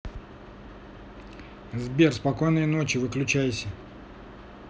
сбер спокойной ночи выключайся